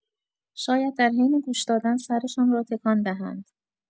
شاید در حین گوش‌دادن سرشان را تکان دهند.